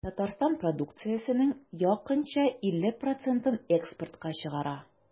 Татарстан продукциясенең якынча 50 процентын экспортка чыгара.